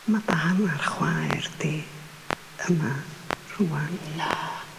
ma' dy hannar chwaer di yma rhŵan. Na!